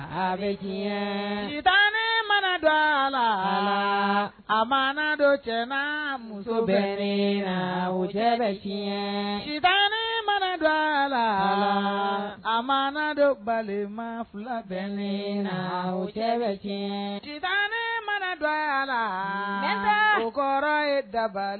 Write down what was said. Saba tan ne mana dɔ a la a ma don jama muso bɛ la o jɛgɛ bɛ tan mana dɔ a la a ma don bali ma fila bɛ ne la o cɛ bɛ tan ne mana dɔ a la den kɔrɔ ye dabali